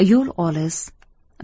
yo'l olis